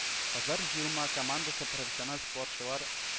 - кызлар җыелма командасында профессиональ спортчылар